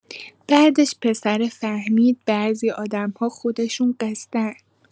بعدش پسره فهمید بعضی آدم‌ها خودشون قصه‌ان.